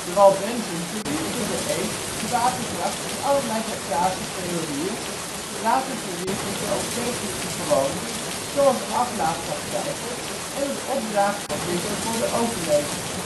Waldenzen verwierpen de eed, de wapendracht en allerlei kathaarse theorieën, later verwierpen ze ook kerkelijke gewoonten zoals aflaatpraktijken en het opdragen van missen voor de overledenen